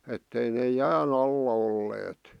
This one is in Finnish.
että ei ne jään alla olleet